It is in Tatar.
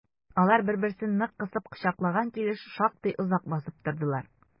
Алар бер-берсен нык кысып кочаклаган килеш шактый озак басып тордылар.